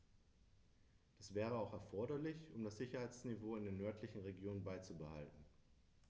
Das wäre auch erforderlich, um das Sicherheitsniveau in den nördlichen Regionen beizubehalten.